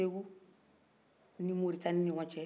sekou ni moritani nin ɲɔgɔn cɛ